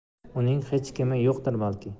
uning xech kimi yo'qdir balki